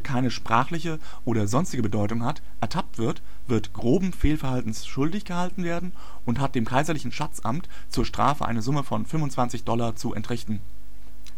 keine sprachliche oder sonstige Bedeutung hat, ertappt wird, wird Groben Fehlverhaltens schuldig gehalten werden und hat dem Kaiserlichen Schatzamt zur Strafe eine Summe von fünfundzwanzig Dollar zu entrichten!